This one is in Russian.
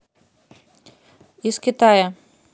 из китая